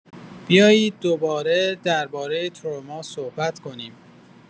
بیایید دوباره درباره تروما صحبت کنیم.